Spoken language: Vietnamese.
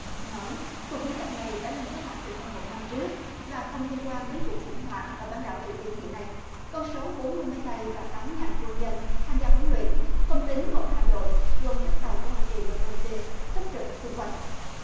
nói cuộc diễn tập này đã lên kế hoạch từ hơn một năm trước và không liên quan đến cuộc khủng hoảng ở bán đảo triều tiên hiện nay con số bốn mươi máy bay và tám ngàn quân nhân tham gia huấn luyện không tính một hạm đội gồm các tàu của hoa kỳ và phi líp pin túc trực xung quanh